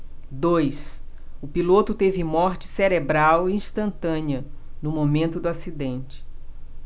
dois o piloto teve morte cerebral instantânea no momento do acidente